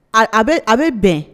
A, a bɛ, a bɛ bɛn.